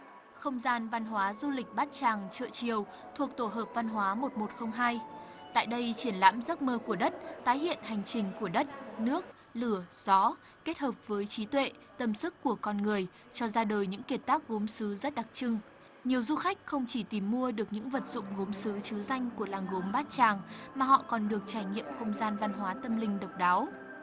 không gian văn hóa du lịch bát tràng chợ chiều thuộc tổ hợp văn hóa một một không hai tại đây triển lãm giấc mơ của đất tái hiện hành trình của đất nước lửa gió kết hợp với trí tuệ tâm sức của con người cho ra đời những kiệt tác gốm sứ rất đặc trưng nhiều du khách không chỉ tìm mua được những vật dụng gốm sứ trứ danh của làng gốm bát tràng mà họ còn được trải nghiệm không gian văn hóa tâm linh độc đáo